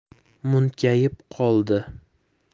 munkayib qoldi